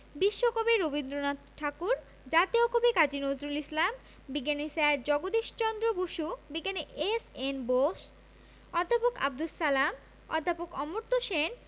বিশ্বকবি রবীন্দ্রনাথ ঠাকুর জাতীয় কবি কাজী নজরুল ইসলাম বিজ্ঞানী স্যার জগদীশ চন্দ্র বসু বিজ্ঞানী এস.এন বোস অধ্যাপক আবদুস সালাম অধ্যাপক অমর্ত্য সেন